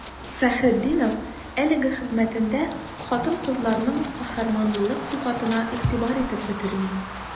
Фәхретдинов әлеге хезмәтендә хатын-кызларның каһарманлылык сыйфатына игътибар итеп бетерми.